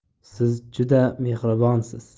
siz juda mehribonsiz